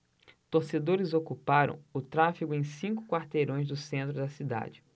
torcedores ocuparam o tráfego em cinco quarteirões do centro da cidade